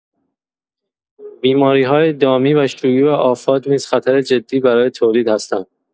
بیماری‌های دامی و شیوع آفات نیز خطر جدی برای تولید هستند.